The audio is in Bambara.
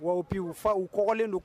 Wapi u fa u kɔlen don